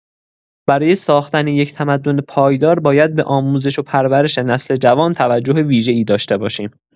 برای ساختن یک تمدن پایدار باید به آموزش و پرورش نسل جوان توجه ویژه‌ای داشته باشیم.